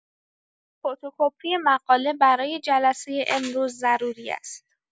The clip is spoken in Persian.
فتوکپی مقاله برای جلسۀ امروز ضروری است.